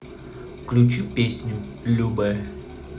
включи песню любэ